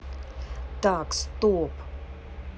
так стоп